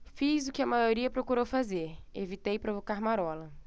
fiz o que a maioria procurou fazer evitei provocar marola